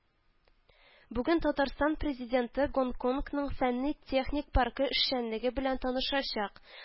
Бүген Татарстан Президенты Гонконгның фәнни-техник паркы эшчәнлеге белән танышачак